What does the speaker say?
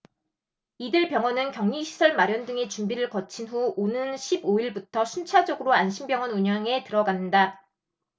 이들 병원은 격리시설 마련 등의 준비를 거친 후 오는 십 오 일부터 순차적으로 안심병원 운영에 들어간다